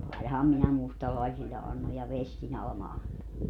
ainahan minä mustalaisille annoin ja vestin Alma antoi